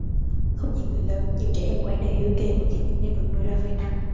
không chỉ người lớn nhiều trẻ em quán đều hiếu kỳ mỗi khi mình đem vật nuôi ra phơi nắng